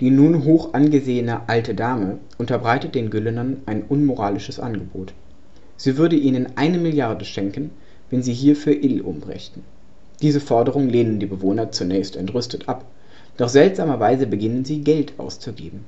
nun hochangesehene „ alte Dame “unterbreitet den Güllenern ein unmoralisches Angebot: Sie würde ihnen eine Milliarde schenken, wenn sie dafür Ill umbrächten. Diese Forderung lehnen die Bewohner zunächst entrüstet ab, doch seltsamerweise beginnen sie, Geld auszugeben